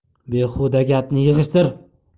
behuda gapni yig'ishtir